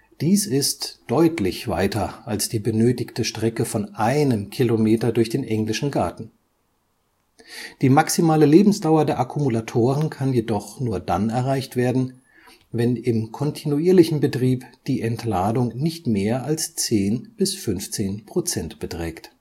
Dies ist deutlich weiter als die benötigte Strecke von einem Kilometer durch den Englischen Garten. Die maximale Lebensdauer der Akkumulatoren kann jedoch nur dann erreicht werden, wenn im kontinuierlichen Betrieb die Entladung nicht mehr als 10 bis 15 Prozent beträgt